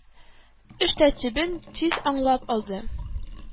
Эш тәртибен тиз аңлап алды.